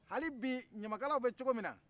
hali bi ɲamakalaw bɛ cogo min na